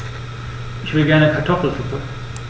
Ich will gerne Kartoffelsuppe.